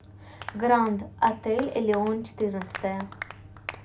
гранд отель элеон четырнадцатая